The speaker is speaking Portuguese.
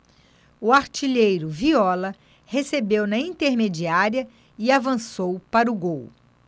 o artilheiro viola recebeu na intermediária e avançou para o gol